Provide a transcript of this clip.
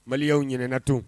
Maliya ɲana tun